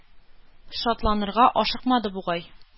Шатланырга ашыкмады бугай.